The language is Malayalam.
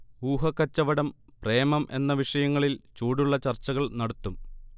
ഊഹക്കച്ചവടം, പ്രേമം എന്ന വിഷയങ്ങളിൽ ചൂടുള്ള ചർച്ചകൾ നടത്തും